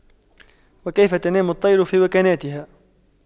وكيف تنام الطير في وكناتها